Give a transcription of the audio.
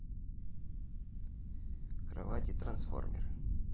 кровати трансформеры